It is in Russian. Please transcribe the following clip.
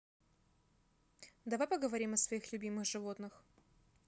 давай поговорим о своих любимых животных